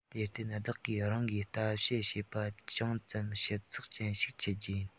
དེར བརྟེན བདག གིས རང གིས ལྟ དཔྱད བྱས པ ཅུང ཙམ ཞིབ ཚགས ཅན ཞིག འཆད རྒྱུ ཡིན